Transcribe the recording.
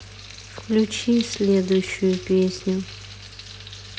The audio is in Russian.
включи следующую песню